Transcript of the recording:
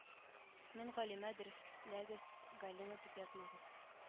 Мин галимә дөресләгез галина дип язмагыз